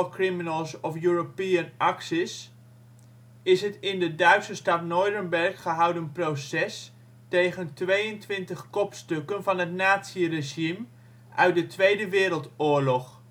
criminals of European Axis ') is het in de Duitse stad Neurenberg gehouden proces tegen 22 kopstukken van het naziregime uit de Tweede Wereldoorlog